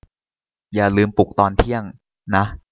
อย่าลืมปลุกตอนเที่ยงนะ